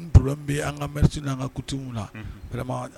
Ka m' an ka kuti na